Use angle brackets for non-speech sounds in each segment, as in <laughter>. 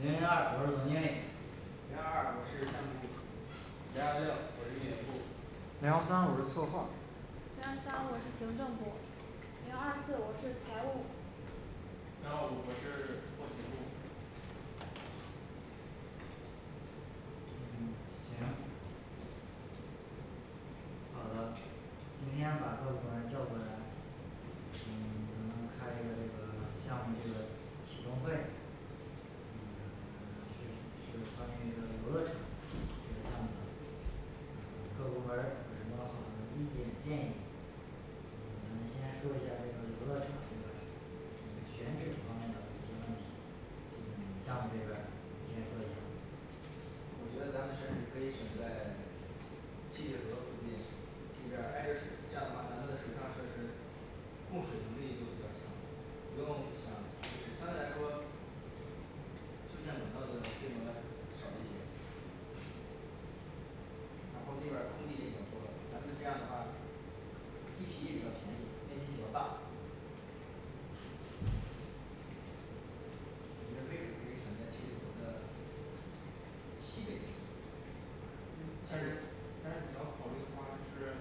零零二我是总经理零二二我是项目部零二六我是运营部零幺三我是策划零二三我是行政部零二四我是财务零幺五我是后勤部嗯 <silence> 行好的今天把各部门儿叫过来嗯 <silence> 咱们开一个这个项目这个启动会嗯 <silence> 是是关于这个游乐场这个项目，嗯各部门儿有什么好的意见建议嗯咱们先说一下这个游乐场这个嗯选址方面的一些问题嗯项目这边儿你先说一下嗯我觉得咱们选址可以选在七里河附近，这边儿挨着水，这样的话咱们的水上设施供水能力就比较强不用想水上来说新建水上费用还少一些然后这边儿空地也比较多咱们这样的话，地皮也比较便宜，面积比较大我觉得地址可以选在七里河的西北这个位置但是但是你要考虑的话就是，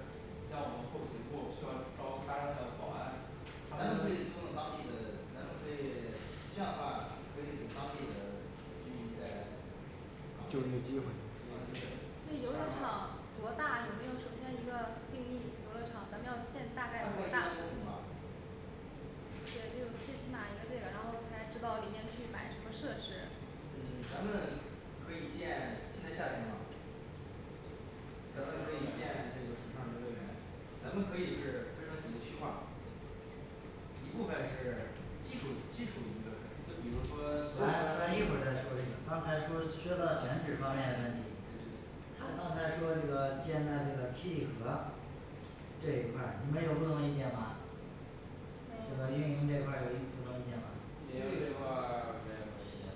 像我们后勤部需要招大量的保安完全可以雇佣当地的，咱们可以这样的话可以给当地的居民带来就业机会就业机会对游乐场多大，有没有首先一个定义游乐场咱们要建大概有多大对，就是最起码的一个这个，然后才知道里面去买什么设施嗯 <silence> 咱们可以建咱们可以建那个水上游乐园，咱们可以是分成几个区块儿一部分是基础基础娱乐设施就比如说咱咱一会再说这个，刚才说说到选址方面的问题对对他刚才说这个建在这个七里河这一块儿你们有不同意见吗这个运没有营这一块儿有意什么意见吗？运营这块儿没有什么意见了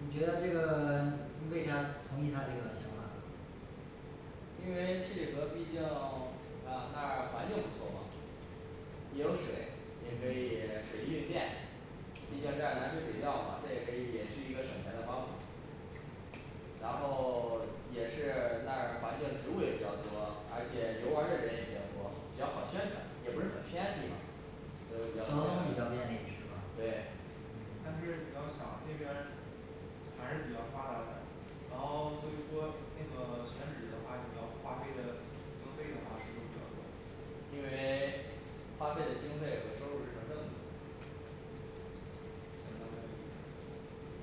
你觉得这个 <silence> 为啥同意他这个想法呢因为七里河毕竟 <silence> 你看啊那儿环境不错嘛也有水也可以嗯水利运电，毕竟这儿南水北调嘛这也可以也是一个省钱的方法然后也是那儿环境植物也比较多，而且游玩儿的人也多，比较好，宣传也不是很偏地方儿所以比交较通看比着较便利是吗对但是你要嗯想这边儿还是比较发达的。然后所以说那个选址的话，你要花费的经费的话是不是比较多因为花费的经费和收入是成正比那咱们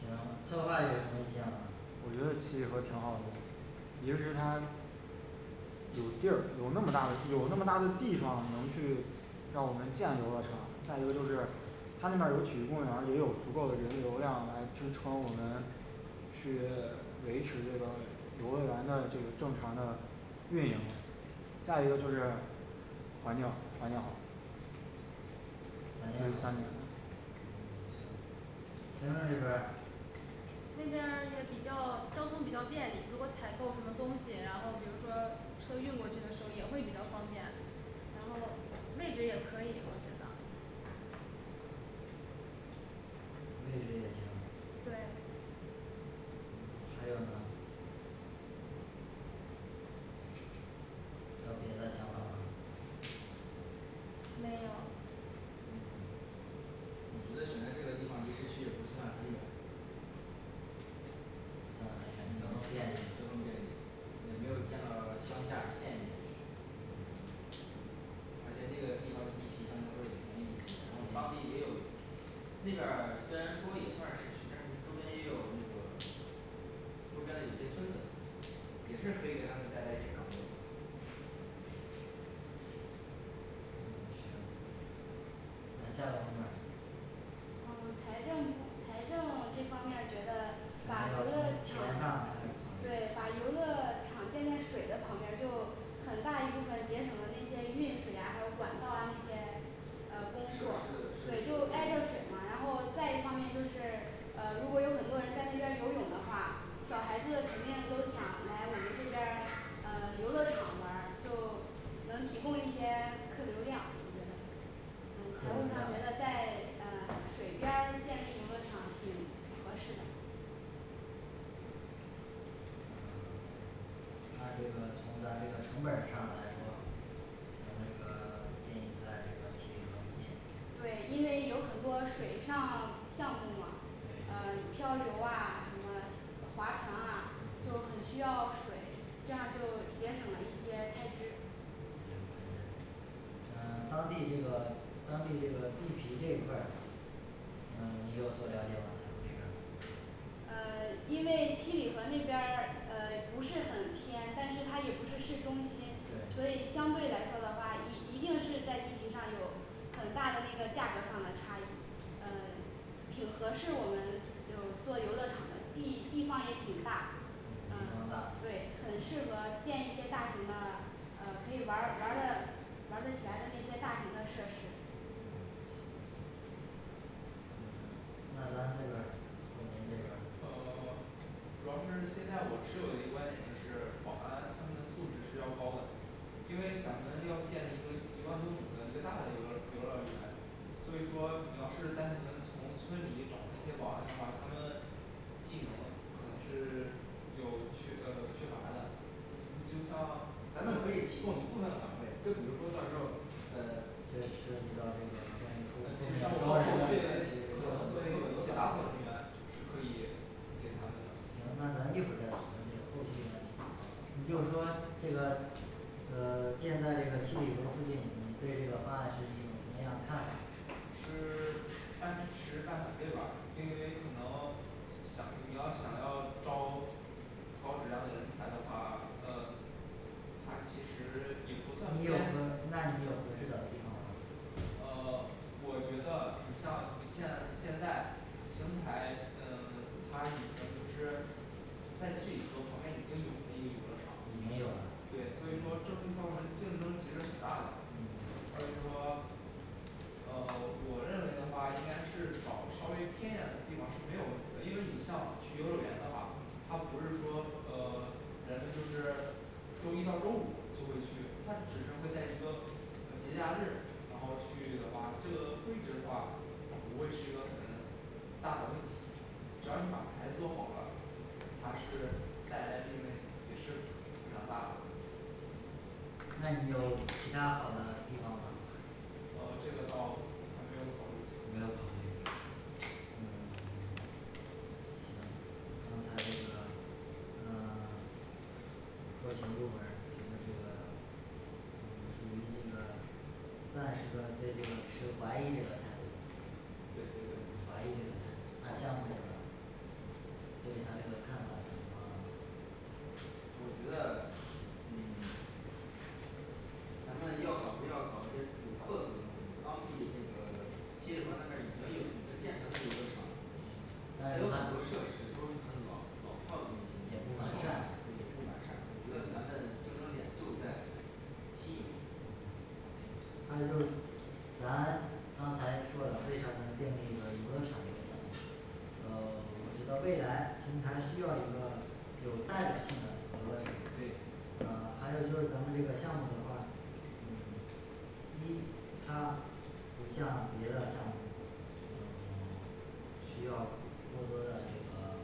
行策划有什么意见吗我觉得七里河挺好的一个是它有地儿有那么大的有那么大的地方能去让我们建游乐场在一个就是它那边有体育公园儿，也有足够的人流量来支撑我们去 <silence> 维持这个游乐园的这个正常的运营。再一个就是环境好环境好环境上的嗯行行政这边儿那边儿也比较交通比较便利，如果采购什么东西，然后比如说车运过去的时候也会比较方便，然后位置也可以我觉得位置也行对还有吗还有别的想法吗没有嗯 <silence> 我觉得选在这个地方离市区也不算很远这里也交通便利交通便利有没有建到乡下县里面去嗯而且那个地方的地皮相对来说也便宜，然后当地也有那边儿虽然说也算是可以，但是周边也有那个周边的有一些村子也是可以给他们带来一些岗位嗯行那下个部门儿呃 <silence> 财政部财政这方面觉得把游乐场对，把游乐场建在水的旁边儿，就很大一部分节省了那些运水啊，还有管道啊那些呃工作对就挨着水嘛然后再一方面就是呃如果有很多人在那边儿游泳的话小孩子肯定都想来我们这边儿呃游乐场玩儿，就能提供一些客流量我觉得呃客流财务上觉量得在呃水边儿建立游乐场挺合适的呃 <silence> 按这个从咱这个成本上来说我那个建议在这个七里河附近对，因为有很多水上项目嘛对呃很多漂流啊什么呃划船啊就嗯很需要水，这样就节省了一些开支呃 <silence> 当地这个当地这个地皮这一块儿呃 <silence> 你有所了解了吗这边儿呃 <silence> 因为七里河那边儿呃不是很偏，但是它也不是市中心，所对以相对来说的话，一一定是在地皮上有很大的那个价格上的差异呃 <silence> 挺合适，我们就做游乐场的地地方也挺大，嗯地嗯方大对，很适合建一些大型的呃可以玩儿玩儿的玩儿的起来的那些大型的设施嗯行嗯 <silence> 那咱这边后勤这边呃 <silence> 主要是现在我持有的一个观点就是保安他们的素质是要高的因为咱们要建一个一万多亩的一个大的一个游乐游乐园所以你要是单纯从村里找那些保安的话咱们一种是有缺呃缺乏的嗯就像咱们可以提供一部分岗位就比如说到时候呃 <silence> 这涉及到这个关于后后面这是可以给他的行那咱一会儿在讨论这个后勤这个你呃就说这个呃 <silence> 建在这个七里河附近，你对这个方案是一种什么样的看法是 <silence> 半支持半反对吧因为因为可能想你要想要招高质量的人才的话呃他其实也不算你有什太么那你有什么合适的地方吗呃 <silence> 我觉得像现现在邢台呃 <silence> 它已经就是在七里河旁边已经有那游乐场已经有了对，所以说就嗯会造成竞争其实挺大的所以嗯说呃我认为的话应该是找稍微偏远的地方是没有问题的，因为你像去游乐园的话，他不是说呃 <silence> 人们就是周一到周五就会去他只是会在一个呃节假日，然后去的话这个位置的话可能不会是一个很很大的问题。只要你把牌子做好了，它是带来的利润也是非常大的那你有其它好的地方吗呃这个倒还没有考虑没有考虑嗯 <silence> 行刚才这个呃 <silence> 后勤部门儿觉得这个呃属于这个暂时的对这个持怀疑的态度对嗯对对怀疑这个态度那项目这边对大家的看法有什么我觉得嗯 <silence> 咱们要搞就要搞这有特色的东西当地那个七里河那边已经有已经建成行但那是游乐他场都有很多设施都是很老老套的那也些不传完统玩善法对也不完善我觉得咱们竞争点就在新颖嗯对还有就是咱刚才说了为啥咱们建立一个游乐场这个项目呃 <silence> 我觉得未来邢台需要一个有代表性的游乐场对呃还有就是咱们这个项目的话嗯 <silence> 一它不像别的项目嗯 <silence> 需要过的多这个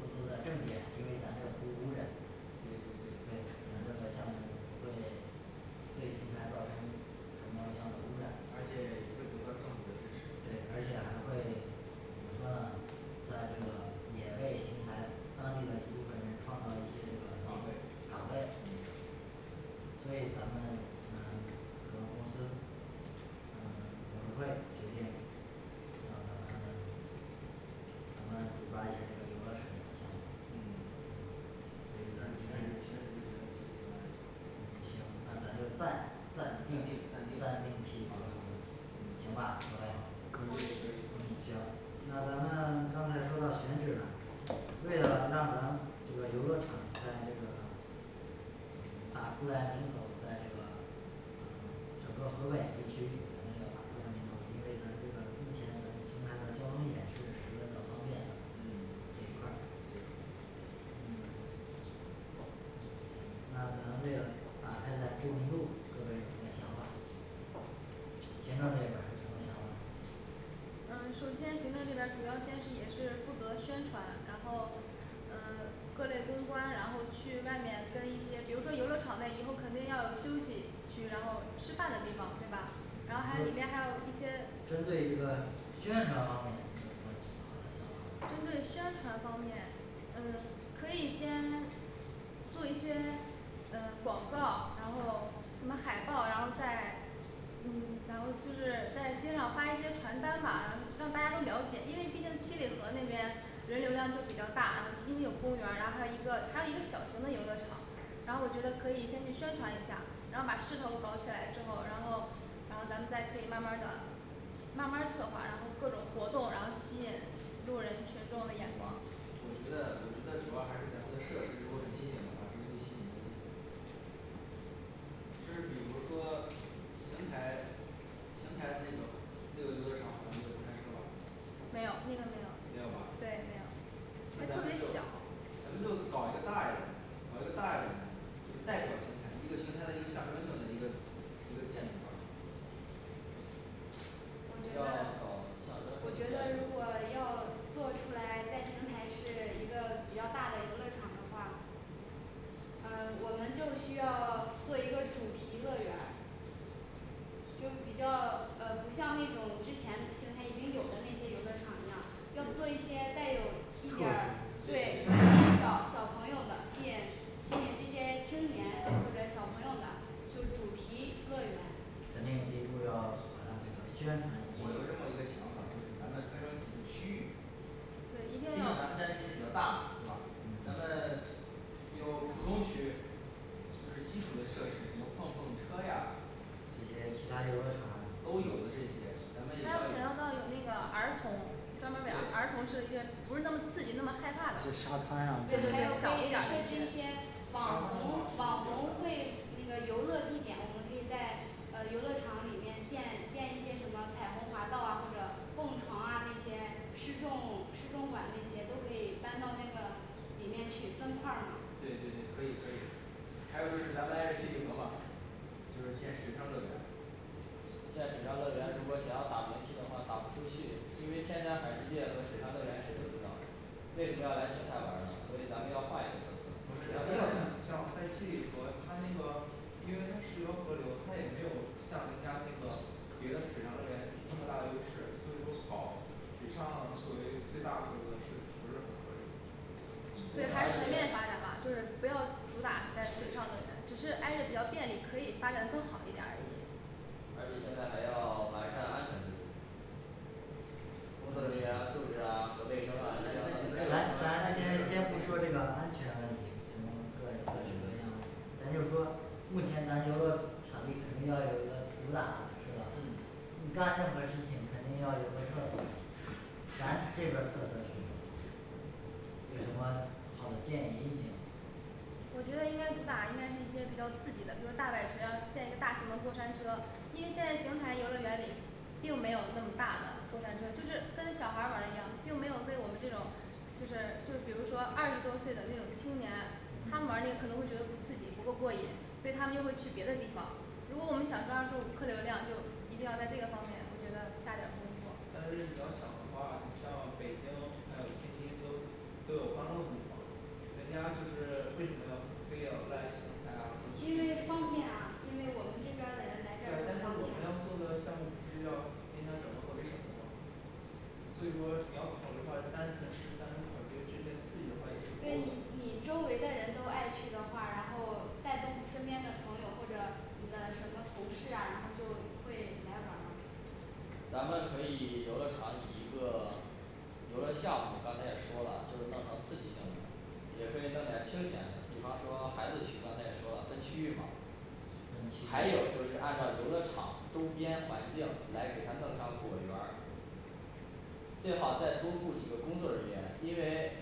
过多证件因为咱这不污染对对对对咱这个项目不会对邢台造成什么样的污染而且也会得到政府的支对持而且还会怎么说呢在这个也为邢台当地的一部分人创造一些这个岗位岗位嗯所以咱们呃总公司嗯董事会决定呃 <silence> 咱们就抓紧时间游乐场这个项目嗯嗯这个咱确认是七里河&七里河&嗯行那咱就暂暂定暂定七里河嗯行吧朋友嗯行&可以&&可以&那咱们刚才说到选址了，为了让咱这个游乐场在这个嗯打出来名头儿在这个嗯整个河北地区咱们要打出来名头，因为咱这个目前咱们邢台的交通也是十分的方便的，嗯这一块儿对嗯 <silence> 呃行那咱这个打开咱知名度各位有什么想法行行政这边儿有什么想法呃首先行政这边儿主要先是也是负责宣传，然后呃 <silence> 各类公关，然后去外面跟一些比如说游乐场内以后肯定要休息区，然后吃饭的地方对吧？然后还里面对还有一些针对这个宣传方面你有什么想好针的想法吗对宣传方面嗯可以先做一些呃广告，然后什么海报，然后再嗯然后就是在街上发一些传单吧，让大家都了解，因为毕竟七里河那边人流量就比较大，七里河公园，然后还有一个还有一个小型的游乐场然后我觉得可以先去宣传一下，然后把势头搞起来之后，然后然后咱们再可以慢慢的慢慢策划，然后各种活动，然后吸引路人群众的眼光我觉得我觉得主要还是咱们的设施，如果很新颖的话这是最吸引人的地方就是比如说邢台邢台的那个没有游乐场有过山车没有那个没没有有吧对没有还那咱特们别就小咱们就搞一个大一点儿的搞一个大一点的就代表邢台一个邢台的一个象征性的一个一个建设我要觉搞得象征我性觉得建如果设要做出来，在邢台是一个比较大的游乐场的话呃我们就需要做一个主题乐园儿就是比较呃不像那种之前邢台已经有的那些游乐场一样，要做一些带有一特点儿性对一些小小朋友的吸引吸引这些青年或者小朋友的就主题乐园肯定第一步要把它这个宣传一定我有这么一要个想法，就是咱们分成几个区域对一毕竟定要咱占面积比较大对吧咱嗯们有普通区就是基础的设施什么碰碰车呀这些其他游乐场对都有的这些，咱们也还有想要要到有那个儿童，专门为儿童设是一个不是那么刺激那么害怕的像沙滩小呀对还有可以设一点儿的计那一些些网红网红会那个游乐地点我们可以在呃游乐场里面建建一些什么彩虹滑道啊或者蹦床啊，那些失重失重馆那些都可以搬到那个里面去分块儿么对对对可以可以还有就是咱们挨着七里河嘛就是建水上乐园建水上乐园如果想要打名气的话打不出去，因为天山海世界和水上乐园谁都知道为什么要来邢台玩呢，所以咱们要换一个特色咱们像在七里河它那个因为它是一个河流它也没有像人家那个别的水上乐园那么大优势所以说搞水上作为最大设施这个是不是很合理对对而还是全且面发展吧就是不要主打在水上乐园，只是挨着比较便利，可以发展的更好一点儿而已而且现在还要完善安全制度工作人员素质啊和卫生啊一定要咱咱先先不说这个安全问题什么各各式各样嗯问题咱就说目前咱游乐场地肯定要有一个主打的是吧嗯你干任何事情肯定要有个特色咱这边儿特色是什么有什么好的建议意见我觉得应该主打应该是一些比较刺激的，比如大摆锤呀建一个大型的过山车，因为现在邢台游乐园里并没有那么大的过山车就是跟小孩儿玩的一样，并没有为我们这种就是就是比如说二十多岁的那种青年，他们玩这个嗯可能会觉得不刺激不够过瘾，所以他们就会去别的地方如果我们想抓住客流量，就一定要在这个方面，我觉得下点功夫但是你要想话你像北京还有天津都都有欢乐谷啊人家就是为什么要非得要在邢台啊不因为去方便啊因为我们这边儿的人来这儿呃但是方便我们要做的像只要应该找到合适什么项目所以说你要考虑话单纯是咱考虑是自己也是不对好的你你周围的人都爱去的话然后带动身边的朋友或者你的什么同事啊他们就会来玩儿咱们可以游乐场以一个，游乐项目刚才也说了就是弄成刺激性的，也可以弄点儿清闲的，比方说孩子区刚才也说了分区域嘛分区还有域就是按照游乐场周边环境来给他弄上果园儿最好再多雇几个工作人员，因为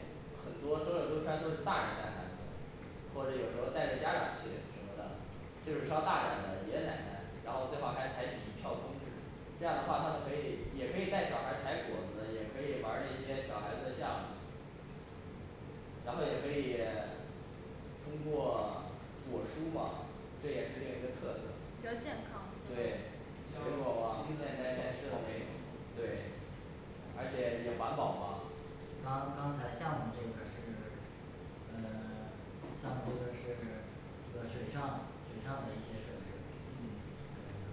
很多周六周天儿都是大人带孩子，或者有时候带着家长去什么的岁数稍大点的爷爷奶奶，然后最好还采取一票通制这样的话他们可以也可以带小孩儿采果子，也可以玩儿那些小孩子的项目然后也可以通过果蔬嘛？ 这也是另一个特色比较健康对。水果现摘现吃的那种对而且也环保嘛刚刚才项目这边儿是呃 <silence> 项目这边儿是这个水上水上的一些设施嗯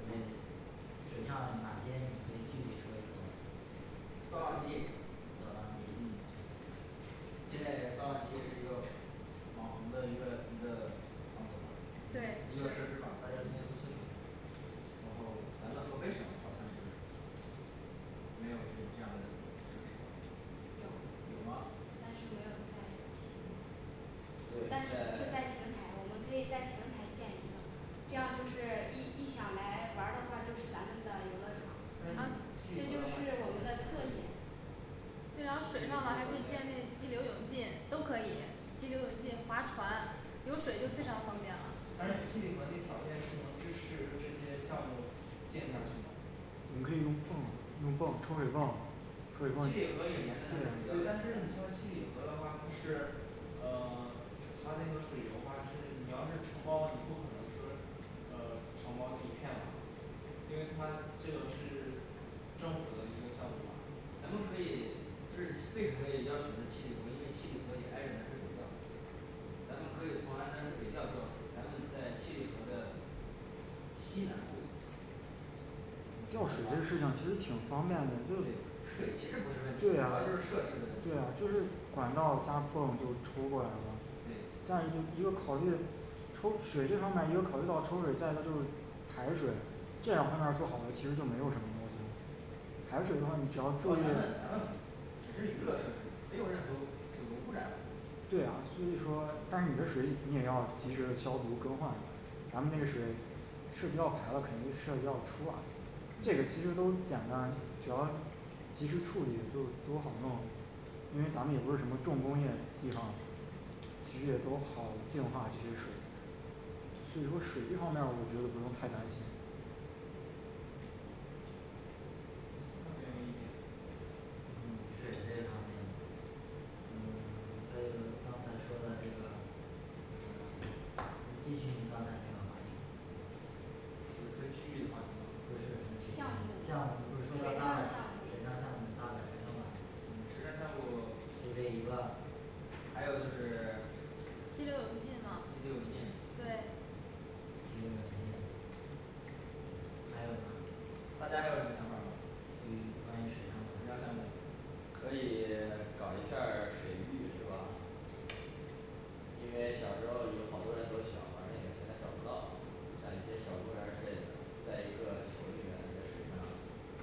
呃准备水上哪些可以具体你说一说造浪机造浪机嗯现在的造浪机也是一个网红的娱乐娱乐场所吧嗯一对个设施吧大家应该都清楚然后咱们河北省好像是没有这样的一项设施有有吗但是没有在邢台对但是我们会在在 <silence> 邢台我们也可以在邢台建一个这样就是一一想来玩的话就是咱们的游乐场但是啊你这七里就河的话是我们的特点这样水上玩还可以建那激流勇进都可以激流勇进，划船有水就非常方便了但是七里河那条件是能支持这些项目进行下去吗我们可以用泵啊用泵抽水泵抽水泵也但是你像七里河的话是呃 <silence> 它那个水的话是你要是承包不可能说呃承包这一片吧因为他这个是政府的一个项目吧咱们可以不是为什么也要选择七里河因为七里河也挨着南水北调咱们可以从南水北调调水咱们在七里河的西南部调水这事情其实挺方便的就水水其实不是问题主对呀要就是设施问题对呀就是管道拉泵就抽过来了对再一个也又考虑抽水这方面也有考虑到抽水再一个就是排水这两方面做好的其实就没有什么东西了排水的话你只要咱们咱注意们只是娱乐设备没有这个任何污染的东西对啊所以说但是你的水你也要及时的消毒更换咱们那水是要排啊肯定是要要出啊这个其实都简单主要及时处理就都好弄。因为咱们也不是什么重工业地方其实也都好进化这些水所以说水这方面我觉得不用太担心刚才有一点儿嗯水这方面嗯还有刚才说了这个嗯 <silence> 你继续你刚才那个话题就是分区域的不水是上项目分区域项项目你目水不是上说了的刚才项目水上项目大摆锤了吗就这一个还有就是激流勇进激嘛流勇进对激流勇进还有吗大家还有什么关于关于水上的水上项目可以搞一片儿水域是吧因为小时候有好多人都喜欢玩那个，现在找不到像一些小公园之类的，在一个球里面在水上